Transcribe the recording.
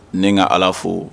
Ni n ka ala fo